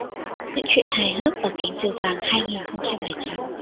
những chuyện hài hước ở cánh diều vàng hai nghìn không trăm lẻ chín